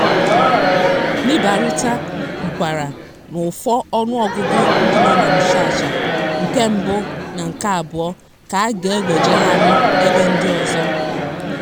Nibaruta kwukwara na ụfọ ọnụọgụgụ ndị nọ na Mushasha nke mbụ na nke abụọ ka a ga-ewejeghari ebe ndị ọzọ.